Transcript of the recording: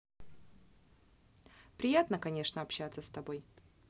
приятно конечно общаться с тобой